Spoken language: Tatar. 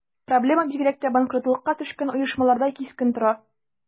Проблема бигрәк тә банкротлыкка төшкән оешмаларда кискен тора.